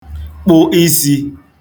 kpụ̀ isī